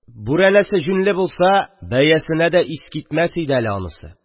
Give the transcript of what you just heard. – бүрәнәсе юньле булса, бәясенә дә ис китмәс иде әле анысы.